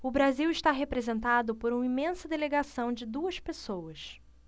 o brasil está representado por uma imensa delegação de duas pessoas